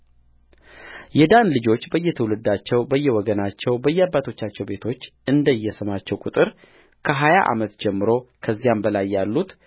የዳን ልጆች በየትውልዳቸው በየወገናቸው በየአባቶቻቸው ቤቶች እንደየስማቸው ቍጥር ከሀያ ዓመት ጀምሮ ከዚያም በላይ ያሉት